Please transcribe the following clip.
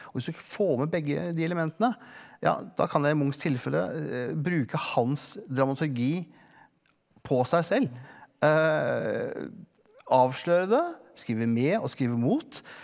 og hvis du får med begge de elementene ja da kan jeg i Munchs tilfelle bruke hans dramaturgi på seg selv avsløre det skrive med og skrive mot.